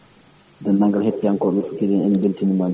ɗum noon yettiyankoɓe keeɗima min beltanimama